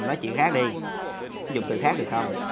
nói chuyện khác đi dùng từ khác được không